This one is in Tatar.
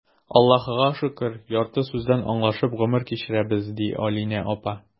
Аллаһыга шөкер, ярты сүздән аңлашып гомер кичерәбез,— ди Алинә апа.